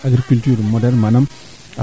to nu mate maak we aussi